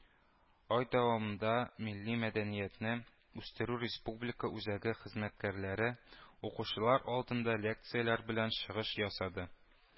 Ай дәвамында Милли мәдәниятне үстерү республика үзәге хезмәткәрләре укучылар алдында лекцияләр белән чыгыш ясады